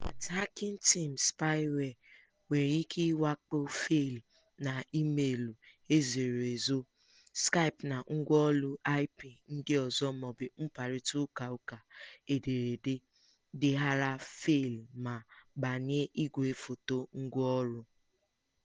2- @hackingteam spyware nwere ike ịwakpo faịlụ na imeelụ e zoro ezo, Skype na Ngwá olu IP ndị ọzọ maọbụ mkparịtaụkaụka ederede, deghara faịlụ ma gbanye igwefoto ngwaọrụ.